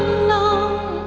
lòng